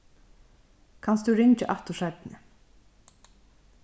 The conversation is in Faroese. kanst tú ringja aftur seinni